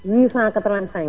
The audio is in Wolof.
885